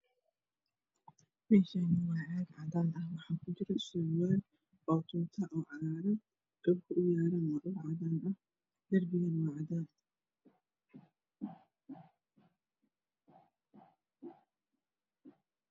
Meeshaani waa caag cadaan ku jiro meesha uu yaalana waa meel cadaan darbiga waa cadays